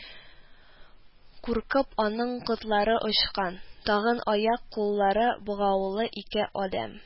Куркып аның котлары очкан, тагын аяк-куллары богаулы ике адәм